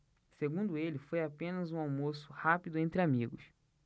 segundo ele foi apenas um almoço rápido entre amigos